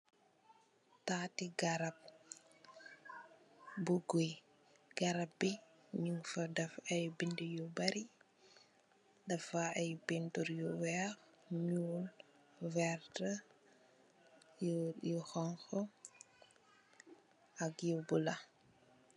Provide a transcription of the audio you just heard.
Tati garap bu joui garap bi ng fa daf binda u ba ray ak wax u warrte nuul ak u bulo.